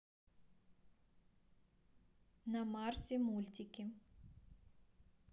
на марсе мультики